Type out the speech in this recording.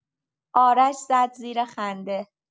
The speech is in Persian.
آرش زد زیر خنده.